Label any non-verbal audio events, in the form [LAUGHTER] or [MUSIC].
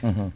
[HESITATION] [HESITATION]